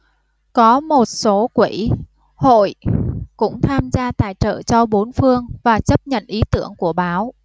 có một số quỹ hội cũng tham gia tài trợ cho bốn phương và chấp nhận ý tưởng của báo